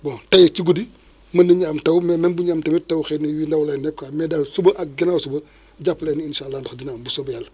bon tey ci guddi mën nañu am taw mais même bu ñu am tamit taw xëy na yu ndaw lay nekk quoi mais daal suba ak gannaaw suba jàpp leen ni incha allah ndox dina ama bu soobee yàlla